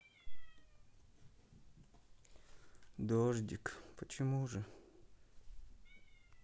дождик почему же